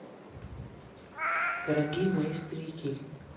дорогие мои старики